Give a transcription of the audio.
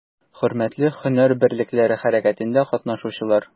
Хөрмәтле һөнәр берлекләре хәрәкәтендә катнашучылар!